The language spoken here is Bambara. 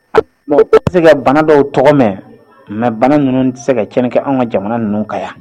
O tɛ se ka bana dɔw tɔgɔ mɛn mɛ bana ninnu tɛ se ka kɛ kɛ an ka jamana ninnu ka yan